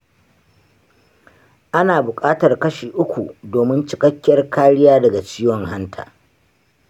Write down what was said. ana buƙatar kashi uku domin cikakkiyar kariya daga ciwon hanta